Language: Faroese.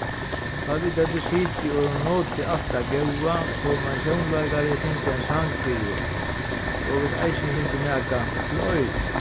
tá vit høvdu sitið og notið alt tað góða kom ein tónleikari at syngja ein sang fyri okum so vit eisini fingu nakað til oyrað